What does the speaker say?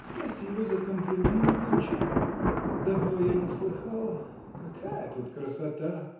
— Спасибо за комплимент, внучек: давно я не слыхала — какая тут красота!